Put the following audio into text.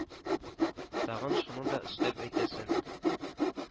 Тагын шуны да өстәп әйтәсе